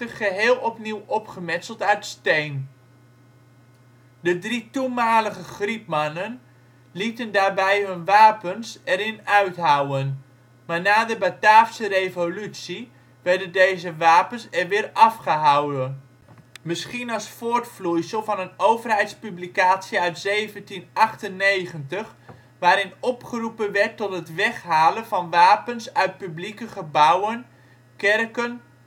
geheel opnieuw opgemetseld uit steen. De drie toenmalige grietmannen lieten daarbij hun wapens erin uithouwen, maar na de Bataafse Revolutie werden deze wapens er weer afgehouwen, misschien als voortvloeisel van een overheidspublicatie uit 1798, waarin opgeroepen werd tot het weghalen van wapens uit publieke gebouwen, kerken